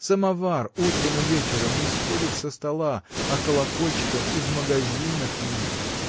самовар утром и вечером не сходит со стола а колокольчиков и в магазинах нет.